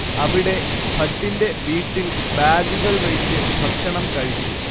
അവിടെ ഭട്ടിന്റെ വീട്ടിൽ ബാഗുകൾ വെയ്ച്ച് ഭക്ഷണം കഴിച്ചു